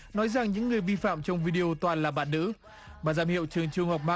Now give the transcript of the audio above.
nói rằng những người vi phạm trong vi đi ô toàn là bạn nữ ban giám hiệu trường trung học